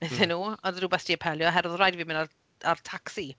Iddyn nhw, oedd rywbeth 'di apelio oherwydd, oedd rhaid i fi mynd ar ar tacsi.